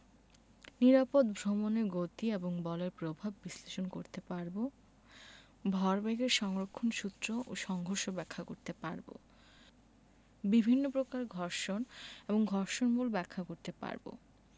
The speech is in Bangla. নিরাপদ ভ্রমণে গতি এবং বলের প্রভাব বিশ্লেষণ করতে পারব ভরবেগের সংরক্ষণ সূত্র ও সংঘর্ষ ব্যাখ্যা করতে পারব বিভিন্ন প্রকার ঘর্ষণ এবং ঘর্ষণ বল ব্যাখ্যা করতে পারব